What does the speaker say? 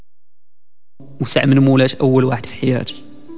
استعمل اول واحد في حياتي